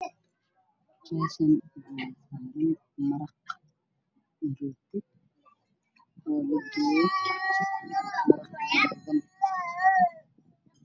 Meeshaan waxaa yaalo mar ka waxaana kaloo yaalo maraq iyo canjeero karsan